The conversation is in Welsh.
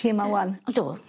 Ti 'ma ŵan. Ydw.